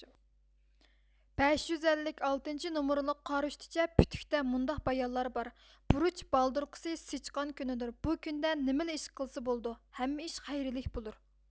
بەش يۈز ئەللىك ئالتىنچى نومۇرلۇق قارۇشتىچە پۈتۈكتە مۇنداق بايانلار بار بۇرۇچ بالدۇرقىسى سىچقان كۈنىدۇر بۇ كۈندە نېمىلا ئىش قىلسا بولىدۇ ھەممە ئىش خەيرلىك بولۇر